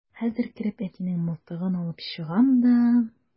Хәзер кереп әтинең мылтыгын алып чыгам да...